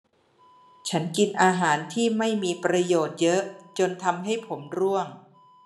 ฉันกินอาหารที่ไม่มีประโยชน์เยอะจนทำให้ผมร่วง